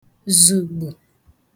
zùgbù